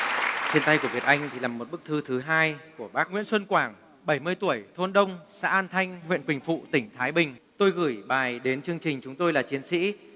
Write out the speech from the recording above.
trên tay của việt anh thì là một bức thư thứ hai của bác nguyễn xuân quảng bảy mươi tuổi thôn đông xã an thanh huyện quỳnh phụ tỉnh thái bình tôi gửi bài đến chương trình chúng tôi là chiến sĩ